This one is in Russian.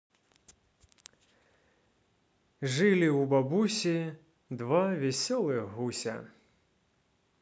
жили у бабуси два веселых гуся